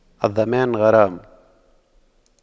الضامن غارم